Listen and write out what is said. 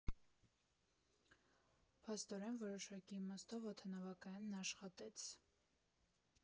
Փաստորեն, որոշակի իմաստով, օդանավակայանն աշխատեց։